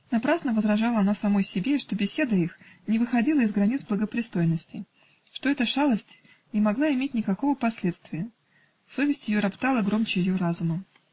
Напрасно возражала она самой себе, что беседа их не выходила из границ благопристойности, что эта шалость не могла иметь никакого последствия, совесть ее роптала громче ее разума.